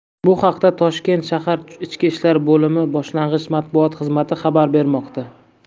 bu haqda toshkent shahar ichki ishlar boimi boshlig matbuot xizmati xabar bermoqda